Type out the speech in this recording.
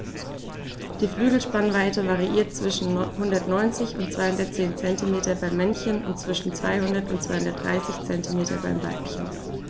Die Flügelspannweite variiert zwischen 190 und 210 cm beim Männchen und zwischen 200 und 230 cm beim Weibchen.